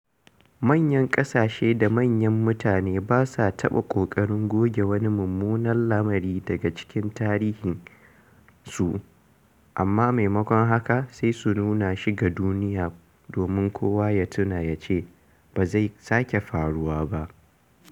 Manyan ƙasashe da manyan mutane ba sa taɓa ƙoƙarin goge wani mummunan lamari daga cikin tarihinsu amma maimakon haka sai su nuna shi ga duniya domin kowa ya tuna ya ce "ba zai sake faruwa ba".